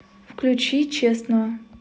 включи честного